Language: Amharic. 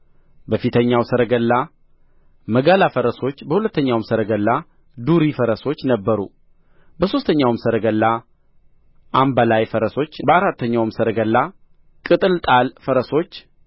በፊተኛው ሰረገላ መጋላ ፈረሶች በሁለተኛውም ሰረገላ ዱሪ ፈረሶች ነበሩ በሦስተኛውም ሰረገላ አምባላይ ፈረሶች በአራተኛውም ሰረገላ ቅጥልጣል ፈረሶች